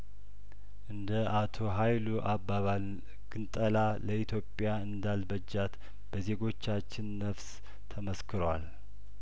እንደ አቶ ሀይሉ አባባል ግንጠላ ለኢትዮጵያ እንዳል በጃት በዜጐቻችን ነፍስ ተመስክሯል